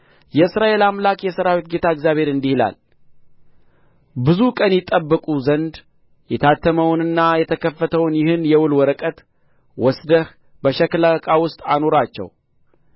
የእስራኤል አምላክ የሠራዊት ጌታ እግዚአብሔር እንዲህ ይላል ብዙ ቀን ይጠበቁ ዘንድ የታተመውንና የተከፈተውን ይህን የውል ወረከት ወስደህ በሸክላ ዕቃ ውስጥ አኑራቸው